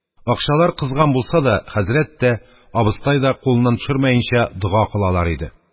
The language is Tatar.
Акчалар кызган булса да, хәзрәт тә, абыстай да кулыннан төшермәенчә дога кылалар иде.